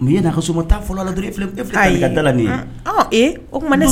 U ye nasota fɔlɔ la da lam o tuma ne